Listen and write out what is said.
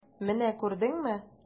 Менә күрдеңме!